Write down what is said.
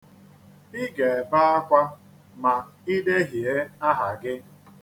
Ị ga-ebe akwa ma i dehie aha gị.